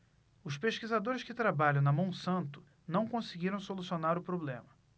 os pesquisadores que trabalham na monsanto não conseguiram solucionar o problema